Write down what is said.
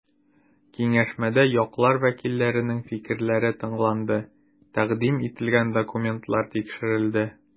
Киңәшмәдә яклар вәкилләренең фикерләре тыңланды, тәкъдим ителгән документлар тикшерелде.